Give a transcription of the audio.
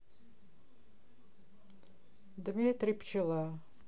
дмитрий пчела